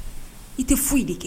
I tɛ foyi de kɛ